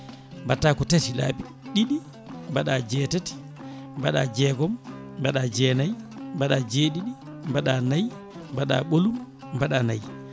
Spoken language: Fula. mbatta ko tati laabi ɗiɗi mbaɗa jeetati mbaɗa jeegom mbaɗa jeenayyi mbaɗa jeeɗiɗi mbaɗa naayi mbaɗa ɓolum mbaɗa naayi